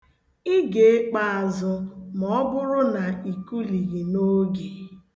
Ị ga-ekpe azụ maọbụrụ na ikulighi n'oge.